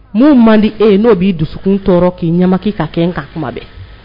Mun man di e n'o b'i dusukun tɔɔrɔ k'i ɲamamaki ka kɛ ka kuma bɛɛ